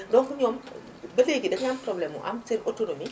donc ñoom ba léegi dañoo am problème mu am seen autonomie